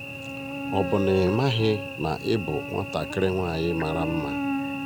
Ọ bụ na ị maghị na ị bụ nwatakịrị nwaanyị mara mma?